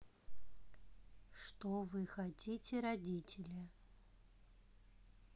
что вы хотите родители